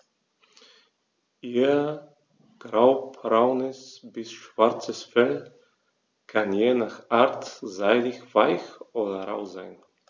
Ihr graubraunes bis schwarzes Fell kann je nach Art seidig-weich oder rau sein.